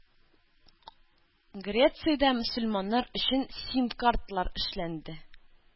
Грециядә мөселманнар өчен СИМ-карталар эшләнде.